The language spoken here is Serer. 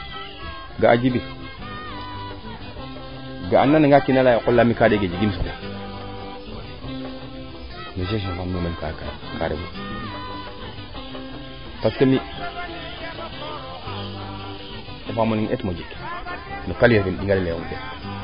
ga'a Djiby ga'a im nana nga o kiina leya ye o qol la mi kaa ndeng parce que mi o faamole ne eet mo jik im kalin na ɗinga le